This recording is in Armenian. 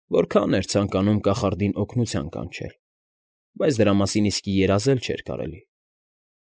Որքա՜ն էր ցանկանում կախարդին օգնության կանչել, բայց դրա մասին իսկի երազել չէր կարելի։